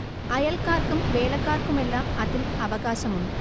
അയൽക്കാർക്കും വേലക്കാർക്കുമെല്ലാം അതിൽ അവകാശമുണ്ട്